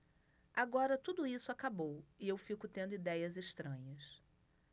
agora tudo isso acabou e eu fico tendo idéias estranhas